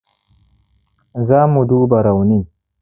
za mu duba raunin